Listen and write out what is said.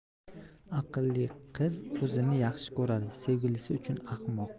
aqlli qiz o'zini yaxshi ko'radi sevgilisi uchun ahmoq